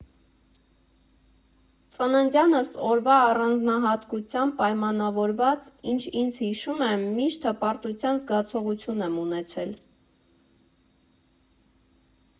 Ծննդյանս օրվա առանձնահատկությամբ պայմանավորված ինչ ինձ հիշում եմ, միշտ հպարտության զգացողություն եմ ունեցել։